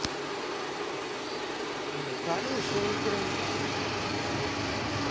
ну хорошая игра